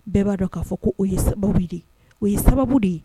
Bɛɛ b'a dɔn k'a fɔ ko o ye sababu de ye o ye sababu de ye